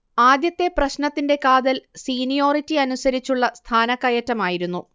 ആദ്യത്തെ പ്രശ്നത്തിന്റെ കാതൽ സീനിയോരിറ്റി അനുസരിച്ചുള്ള സ്ഥാനക്കയറ്റമായിരുന്നു